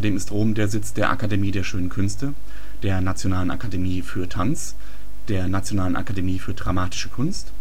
ist Rom der Sitz der Akademie der Schönen Künste, der Nationalen Akademie für Tanz, der Nationalen Akademie für dramatische Kunst